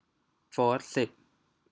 โฟธสิบ